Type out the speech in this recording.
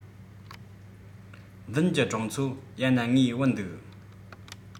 མདུན གྱི གྲོང ཚོ ཡ ན ངའི བུ འདུག